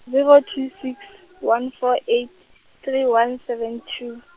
zero two six, one four eight, three one seven two.